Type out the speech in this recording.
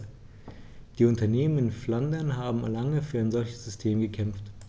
Die Unternehmen in Flandern haben lange für ein solches System gekämpft.